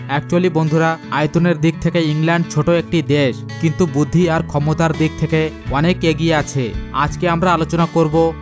actually বন্ধুরা আয়তনের দিক থেকে ইংল্যান্ড ছোট একটি দেশ কিন্তু বুদ্ধি আর ক্ষমতার দিক থেকে অনেক এগিয়ে আছে আজকে আমরা আলোচনা করব